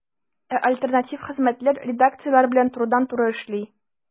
Ә альтернатив хезмәтләр редакцияләр белән турыдан-туры эшли.